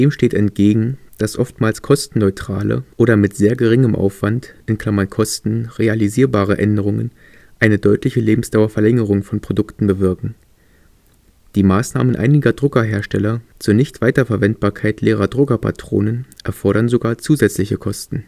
steht entgegen, dass oftmals kostenneutrale oder mit sehr geringem Aufwand (Kosten) realisierbare Änderungen eine deutliche Lebensdauerverlängerung von Produkten bewirken. Die Maßnahmen einiger Druckerhersteller zur Nicht-Weiterverwendbarkeit leerer Druckerpatronen erfordern sogar zusätzliche Kosten